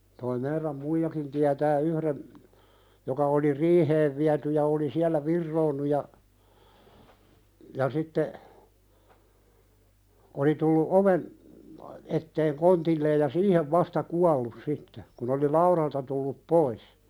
tuo meidän muijakin tietää yhden joka oli riiheen viety ja oli siellä vironnut ja ja sitten oli tullut oven eteen kontilleen ja siihen vasta kuollut sitten kun oli laudalta tullut pois